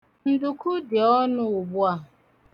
Nduku dị ọnụ ugbu a.